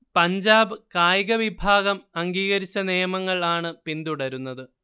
പഞ്ചാബ് കായികവിഭാഗം അംഗീകരിച്ച നിയമങ്ങൾ ആണ് പിന്തുടരുന്നത്